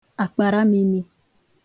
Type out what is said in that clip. àkpàramini